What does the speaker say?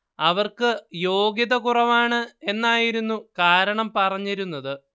അവർക്ക് യോഗ്യത കുറവാണ് എന്നായിരുന്നു കാരണം പറഞ്ഞിരുന്നത്